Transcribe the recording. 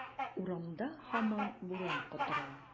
Урамда һаман буран котыра.